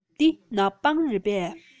འདི ནག པང རེད པས